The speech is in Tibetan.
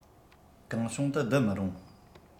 གང བྱུང དུ བསྡུ མི རུང